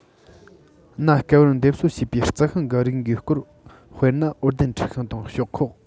གནའ བསྐལ བར འདེབས གསོ བྱས པའི རྩི ཤིང གི རིགས འགའི སྐོར དཔེར ན འོད ལྡན འཁྲི ཤིང དང ཞོག ཁོག